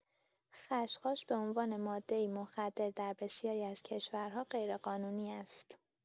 خشخاش به عنوان ماده‌ای مخدر در بسیاری از کشورها غیرقانونی است.